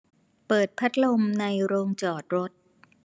เปิดพัดลมในโรงจอดรถ